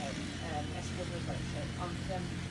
Yym yym ers blynyddoedd lly ond yym